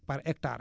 par hectare